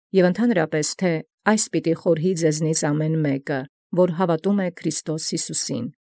Եւ միանգամայն, եթէ՝ «Զայս խորհեսցի իւրաքանչիւր ոք ի ձէնջ որ և ի Քրիստոս Յիսուսե։